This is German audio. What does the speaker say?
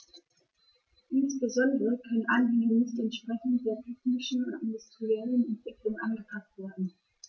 Insbesondere können Anhänge nicht entsprechend der technischen und industriellen Entwicklung angepaßt werden.